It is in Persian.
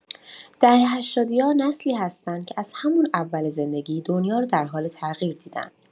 دهه‌هشتادی‌ها نسلی هستن که از همون اول زندگی، دنیا رو در حال تغییر دیدن.